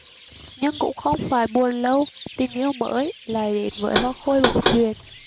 nhưng cũng không phải buồn lâu tình yêu mới lại đến với hoa khôi bóng chuyền